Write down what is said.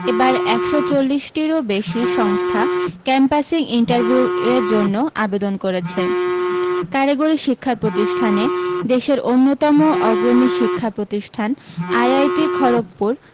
এবার একশ চল্লিশ টিরও বেশী সংস্থা ক্যাম্পাসিং ইন্টারভিউয়ের জন্য আবেদন করেছে কারিগরী শিক্ষা প্রতিষ্ঠানে দেশের অন্যতম অগ্রণী শিক্ষা প্রতিষ্ঠান আইআইটি খড়গপুর